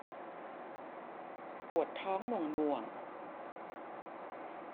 ปวดท้องหน่วงหน่วง